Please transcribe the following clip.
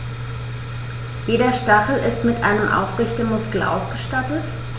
Jeder Stachel ist mit einem Aufrichtemuskel ausgestattet.